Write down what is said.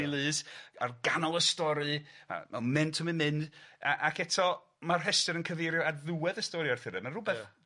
...yn 'i lys ar ganol y stori a momentwm yn myn' a ac eto ma'r rhestr yn cyfeirio at ddiwedd y stori Arthuraidd ma' rwbeth... Ia.